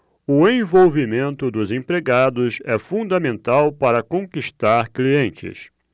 o envolvimento dos empregados é fundamental para conquistar clientes